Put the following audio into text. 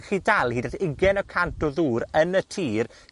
gellu dal hyd at ugen y cant o ddŵr yn y tir,